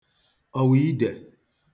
ọ̀wàidè